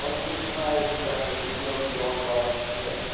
он не знает даже, живет ли он вообще.